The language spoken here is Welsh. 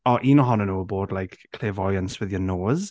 O, un ohonyn nhw bod like, clairvoyance with your nose.